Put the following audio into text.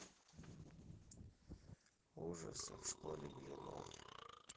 ужасы в школе блинов